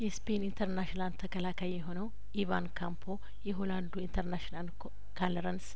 የስፔን ኢንተርናሽናል ተከላካይ የሆነው ኢቫን ካምፖ የሆላንዱ ኢንተርናሽናል ኮካላራንስ